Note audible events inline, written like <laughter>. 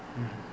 <hesitation> <hesitation>